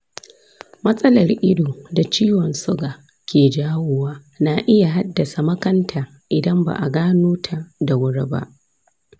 matsalar ido da ciwon suga ke jawowa na iya haddasa makanta idan ba a gano ta da wuri ba.